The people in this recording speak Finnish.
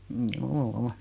juu